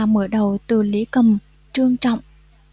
mở đầu từ lý cầm trương trọng